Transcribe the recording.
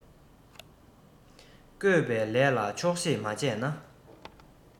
བཀོད པའི ལས ལ ཆོག ཤེས མ བྱས ན